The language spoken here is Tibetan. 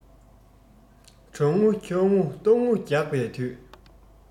གྲང ངུ འཁྱག ངུ ལྟོགས ངུ རྒྱག པའི དུས